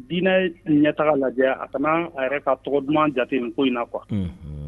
Diinɛ ɲɛ taga lajɛ a kana a yɛrɛ ka tɔgɔ duman jate in ko in na qu